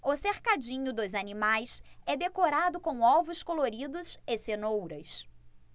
o cercadinho dos animais é decorado com ovos coloridos e cenouras